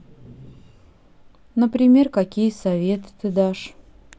например какие советы ты даешь